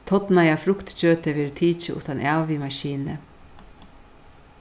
tornaða fruktkjøtið verður tikið uttanav við maskinu